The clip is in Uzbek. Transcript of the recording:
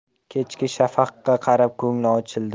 kechki shafaqqa qarab ko'ngli ochildi